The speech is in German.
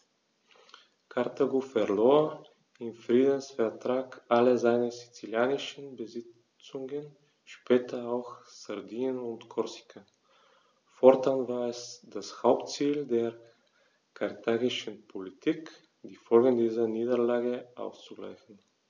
Karthago verlor im Friedensvertrag alle seine sizilischen Besitzungen (später auch Sardinien und Korsika); fortan war es das Hauptziel der karthagischen Politik, die Folgen dieser Niederlage auszugleichen.